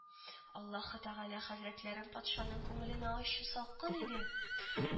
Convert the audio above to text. Аллаһы тәгалә хәзрәтләре патшаның күңеленә ачу салкын иде